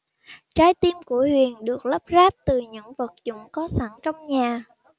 trái tim của hiền được lắp ráp từ những vật dụng có sẵn trong nhà